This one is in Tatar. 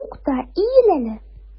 Тукта, иел әле!